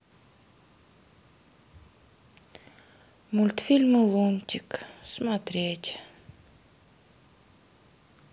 мультфильмы лунтик смотреть